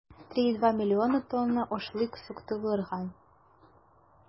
3,2 млн тонна ашлык суктырылган.